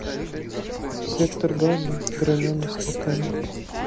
сектор газа граненный стакан